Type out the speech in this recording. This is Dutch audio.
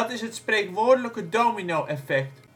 is het spreekwoordelijke domino-effect